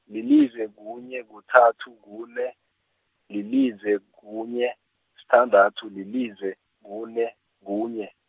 lilize kunye kuthathu kune, lilize kunye, sithandathu, lilize, kune, kunye.